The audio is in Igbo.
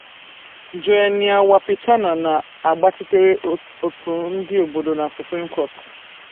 Joenia Wapichana na-agbachitere òtù ndị obodo na Supreme Court.